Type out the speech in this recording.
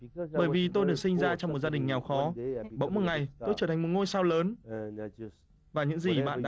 bởi vì tôi được sinh ra trong một gia đình nghèo khó bỗng một ngày tôi trở thành một ngôi sao lớn và những gì bạn